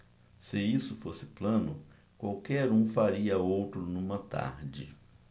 se isso fosse plano qualquer um faria outro numa tarde